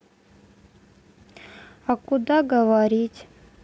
а куда говорить